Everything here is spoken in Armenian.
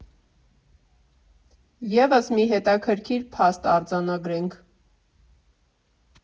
Եվս մի հետաքրքիր փաստ արձանագրենք.